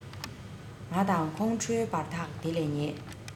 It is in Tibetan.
ང དང ཁོང ཁྲོའི བར ཐག དེ ལས ཉེ